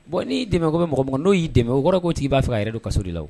Bon n'i dɛmɛ ko bɛ mɔgɔ kɔnɔ n'o y'i dɛmɛ o kɔrɔ ko tigi b'a fɛ ka yɛrɛ don kaso de la o.